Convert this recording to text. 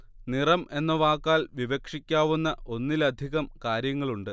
നിറം എന്ന വാക്കാൽ വിവക്ഷിക്കാവുന്ന ഒന്നിലധികം കാര്യങ്ങളുണ്ട്